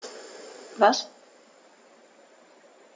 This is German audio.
Was?